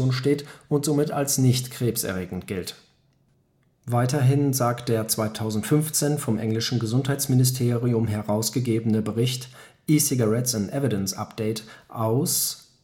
steht und somit als nicht krebserregend gilt. Weiterhin sagt der 2015 vom englischen Gesundheitsministerium herausgegebene Bericht " E-cigarettes: an evidence update " aus